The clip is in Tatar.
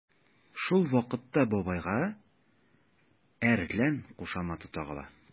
Шул вакытта бабайга “әрлән” кушаматы тагыла.